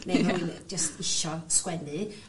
...ne' ma' rywun jyst isio sgwennu.